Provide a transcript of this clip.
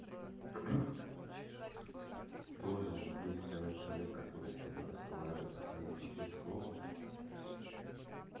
должен ли быть второй человек который с тобой разговаривает у тебя есть какой то клоун